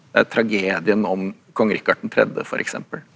tragedien om kong Rikard den tredje for eksempel.